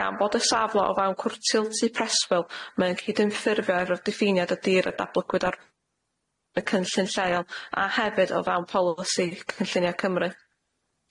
Gan bod y safle o fewn cwrtyl tŷ preswyl mae'n cydymffurfio efo'r diffiniad o dir a datblygwyd ar y cynllun lleol a hefyd o fewn polisi cynlluniau Cymru.